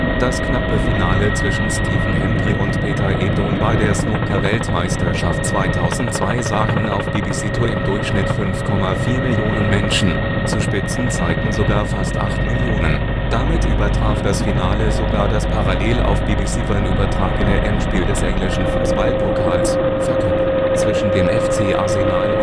Das knappe Finale zwischen Stephen Hendry und Peter Ebdon bei der Snookerweltmeisterschaft 2002 sahen auf BBC2 im Durchschnitt 5,4 Millionen Menschen; zu Spitzenzeiten sogar fast acht Millionen. Damit übertraf das Finale sogar das parallel auf BBC1 übertragene Endspiel des englischen Fußballpokals (FA Cup) zwischen dem FC Arsenal